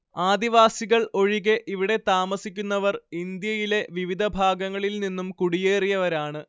ആദിവാസികൾ ഒഴികെ ഇവിടെ താമസിക്കുന്നവർ ഇന്ത്യയിലെ വിവിധ ഭാഗങ്ങളില്‍ നിന്നും കുടിയേറിയവരാണ്‌